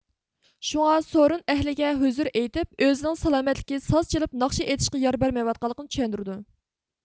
شۇڭا سورۇن ئەھلىگە ھۆزۈر ئېيتىپ ئۆزىنىڭ سالامەتلىكى ساز چېلىپ ناخشا ئېيتىشقا يار بەرمەيۋاتقانلىقىنى چۈشەندۈرىدۇ